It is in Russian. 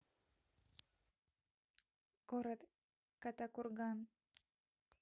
город катакурган